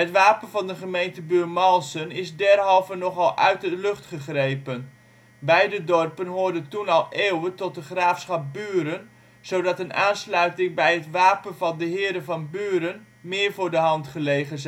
wapen van de gemeente Buurmalsen is derhalve nogal uit de lucht gegrepen. Beide dorpen hoorden toen al eeuwen tot het Graafschap Buren zodat een aansluiting bij het wapen van de Heren van Buren meer voor de hand gelegen